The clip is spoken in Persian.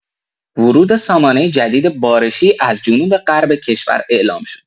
ورود سامانه جدید بارشی از جنوب غرب کشور اعلام شد.